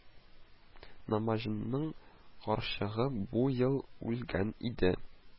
Намаҗанның карчыгы бу ел үлгән иде